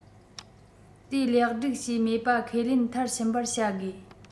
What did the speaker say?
དེ ལེགས སྒྲིག བྱས མེད པ ཁས ལེན མཐར ཕྱིན པར བྱ དགོས